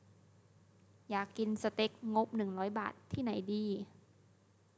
อยากกินสเต็กงบหนึ่งร้อยบาทที่ไหนดี